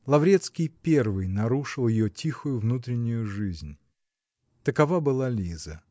Лаврецкий первый нарушил ее тихую внутреннюю жизнь. Такова была Лиза.